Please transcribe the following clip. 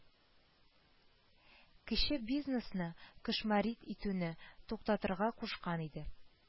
Кече бизнесны “кошмарить итүне” туктатырга кушкан иде